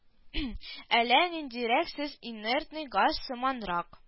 Әллә ниндирәк сез инертный газ сыманрак